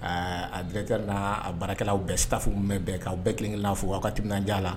A a directeur n'a baarakɛlaw bɛɛ staff mun bɛ, k'aw bɛɛ kelenkelenna fo aw ka timinandiya la